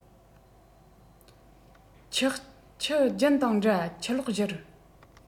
ཆགས ཆུ རྒྱུན དང འདྲ ཆུ ལོག བཞུར